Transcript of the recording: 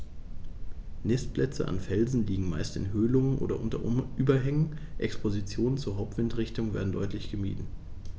Nistplätze an Felsen liegen meist in Höhlungen oder unter Überhängen, Expositionen zur Hauptwindrichtung werden deutlich gemieden.